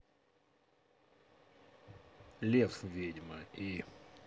лев ведьма и